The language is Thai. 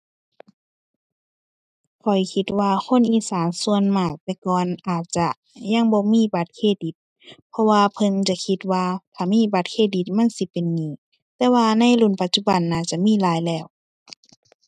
ข้อยคิดว่าคนอีสานส่วนมากแต่ก่อนอาจจะยังบ่มีบัตรเครดิต เพราะว่าเพิ่นจะคิดว่าถ้ามีบัตรเครดิตมันสิเป็นหนี้ แต่ว่าในรุ่นปัจจุบันน่าจะมีหลายแล้ว